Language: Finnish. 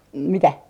mitä